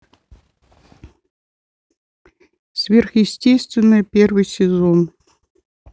сверхъестественное первый сезон